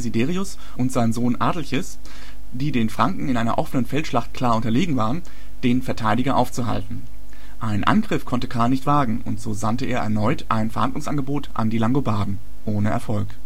Desiderius und sein Sohn Adelchis, die den Franken in einer offenen Feldschlacht klar unterlegen waren, den Verteidiger aufzuhalten. Einen Angriff konnte Karl nicht wagen, und so sandte er erneut ein Verhandlungsangebot an die Langobarden; ohne Erfolg